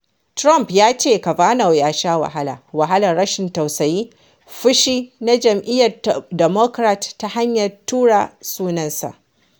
Trump ya ce Kavanaugh ya sha “wahalar rashin tausayi, fushi” na Jam’iyyar Democrat ta hanyar tura sunansa.